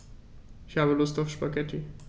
Ich habe Lust auf Spaghetti.